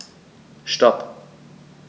Stop.